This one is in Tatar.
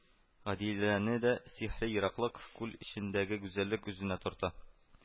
Гадиләне дә сихри ераклык, күл эчендәге гүзәллек үзенә тарта